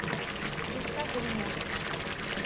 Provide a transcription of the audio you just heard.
Ես սա գնում եմ։